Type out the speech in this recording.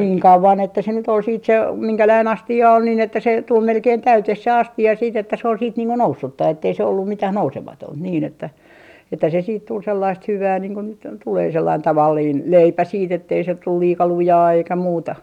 niin kauan että se nyt oli sitten se minkälainen astia oli niin että se tuli melkein täyteen se astia sitten että se oli sitten niin kuin noussutta että ei se ollut mitään nousematonta niin että että se sitten tuli sellaista hyvää niin kuin nyt tulee sellainen tavallinen leipä sitten että ei se tule liika lujaa eikä muuta